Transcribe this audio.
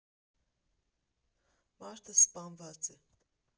Մարդը սպանված է։